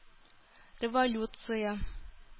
Революция